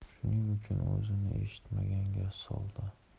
shuning uchun o'zini eshitmaganga soldi